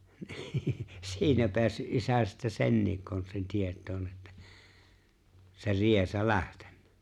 niin siinä päässyt isä sitten senkin konstin tietoon että se riesa lähtenyt